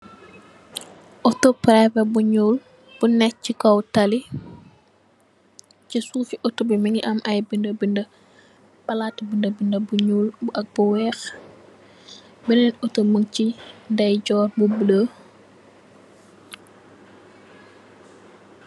Oto prvet bu nglu bu ne si kaw tale sisufi oto bi mu nge ameh ai bedi bedi. palati bedi bedi bu nglu. Benen oto mu nge tahaw si ndeyjor ram bu bolo.